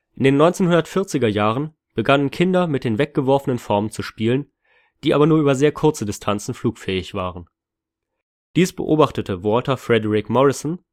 In den 1940er Jahren begannen Kinder mit den weggeworfenen Formen zu spielen, die aber nur über sehr kurze Distanzen flugfähig waren. Dies beobachtete Walter Frederick Morrison